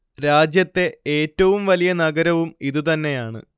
രാജ്യത്തെ ഏറ്റവും വലിയ നഗരവും ഇത് തന്നെയാണ്